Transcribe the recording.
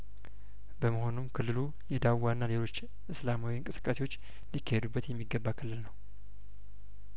በመሆኑም ክልሉ የዳዋና ሌሎች እስላማዊ እንቅስቃሴዎች ሊካሄዱ በት የሚገባ ክልል ነው